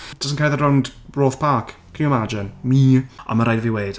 Jyst yn cerdded rownd Roath Park. Can you imagine? Me? Ond mae rhaid i fi weud...